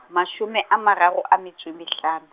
mashome a mararo a metso e mehlano.